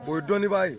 O ye dɔnnibaa ye